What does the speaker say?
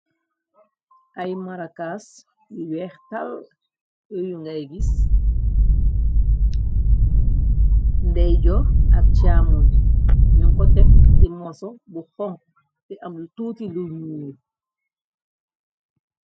ay marakas yi weex tal yuyu ngay gis ndey jo ak caamon nu ko tep ci moso bu xong te amlu tuuti luy ñuur